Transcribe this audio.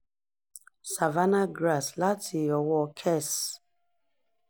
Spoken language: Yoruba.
1. "Savannah Grass" láti ọwọ́ọ Kes